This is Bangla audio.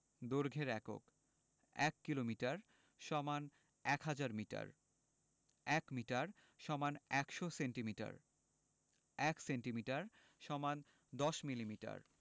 দৈর্ঘ্যের এককঃ ১ kilometre = ১০০০ metre ১ metre = ১০০ centimetre ১ centimetre = ১০ millimetre